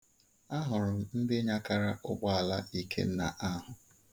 A hụrụ m ndị nyakara ụgbọala Ikenna ahụ.